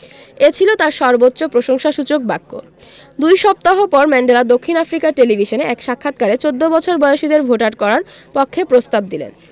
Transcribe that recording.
এ ছিল তাঁর সর্বোচ্চ প্রশংসাসূচক বাক্য দুই সপ্তাহ পর ম্যান্ডেলা দক্ষিণ আফ্রিকার টেলিভিশনে এক সাক্ষাৎকারে ১৪ বছর বয়সীদের ভোটার করার পক্ষে প্রস্তাব দিলেন